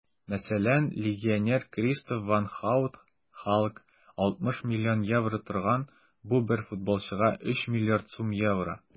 Мәсәлән, легионер Кристоф ван Һаут (Халк) 60 млн евро торган - бу бер футболчыга 3 млрд сум евро!